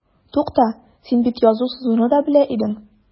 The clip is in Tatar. Тукта, син бит язу-сызуны да белә идең.